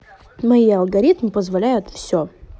мои алгоритмы позволяют все